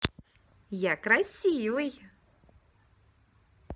я красивый